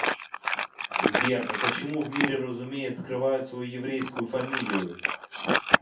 сбер ну почему в мире разумеет скрывают свою еврейскую фамилию